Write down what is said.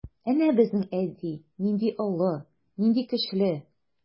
Әнә безнең әти нинди олы, нинди көчле.